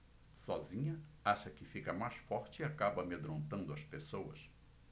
sozinha acha que fica mais forte e acaba amedrontando as pessoas